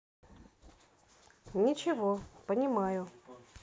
ничего понимаю